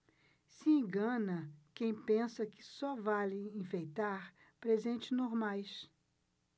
se engana quem pensa que só vale enfeitar presentes normais